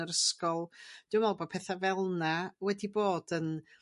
yr ysgol. Dwi me'wl bo' petha fel 'na wedi bod yn